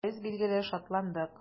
Без, билгеле, шатландык.